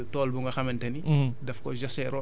sonjaan mooy tool bu nga xamante ni